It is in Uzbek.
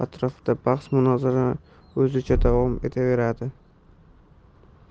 da atrofda bahs munozara o'zicha davom etaveradi